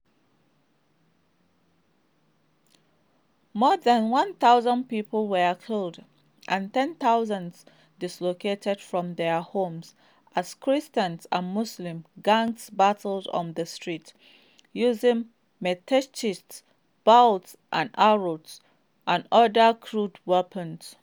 More than 1,000 people were killed and tens of thousands dislocated from their homes as Christian and Muslim gangs battled on the streets, using machetes, bows and arrows, and other crude weapons.